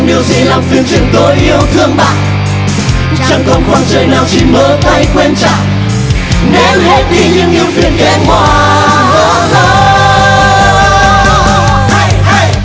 điều gì làm phiền chuyện tôi yêu thương bạn chẳng còn khoảng trời nào chỉ mơ thay quen chạm hãy quên lại những điều phiền kém qua